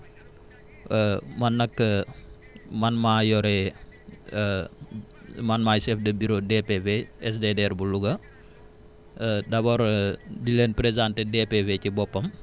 man nag man maa yore man maay chef de bureau DPV SDDR bu Louga d' abord di leen présenter DPV ci boppam